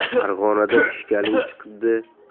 farg'onada ishkaling chiqibdi